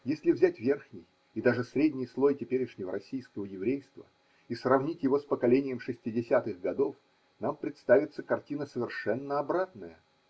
Если взять верхний и даже средний слой теперешнего российского еврейства и сравнить его с поколением шестидесятых годов, нам представится картина совершенно обратная.